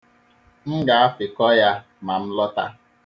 M ga-afịkọ ya ma m lọta.